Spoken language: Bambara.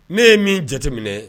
Ne ye min jateminɛ